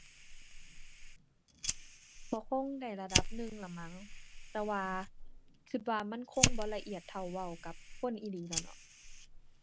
ก็คงได้ระดับหนึ่งล่ะมั้ง แต่ว่า คิดว่ามันคงบ่ละเอียดเท่าเว้ากับคนอีหลีแหล้วเนาะ